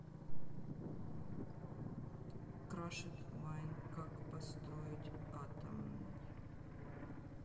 крашит майн как построить атомный